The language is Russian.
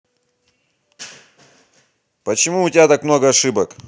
почему у тебя так много ошибок